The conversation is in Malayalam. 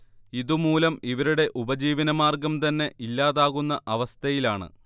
ഇതുമൂലം ഇവരുടെ ഉപജീവനമാർഗം തന്നെ ഇല്ലാതാകുന്ന അവ്സഥയിലാണ്